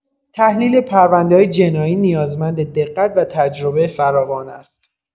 تحلیل پرونده‌‌های جنایی نیازمند دقت و تجربه فراوان است.